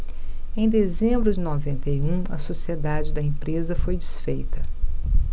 em dezembro de noventa e um a sociedade da empresa foi desfeita